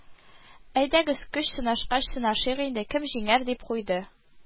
Әйдәгез, көч сынашкач сынашыйк инде, кем җиңәр, дип куйды